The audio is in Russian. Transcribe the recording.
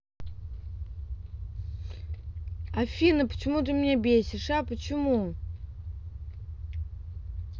афина почему ты меня бесишь а почему